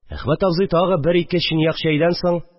Әхмәт абзый тагы бер-ике чынаяк чәйдән соң